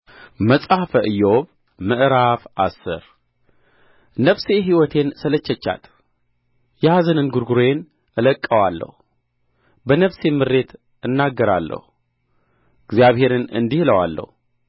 መጽሐፈ ኢዮብ ምዕራፍ አስር ነፍሴ ሕይወቴን ሰለቸቻት የኀዘን እንጕርጕሮዬን እለቀዋለሁ በነፍሴም ምሬት እናገራለሁ እግዚአብሔርን እንዲህ እለዋለሁ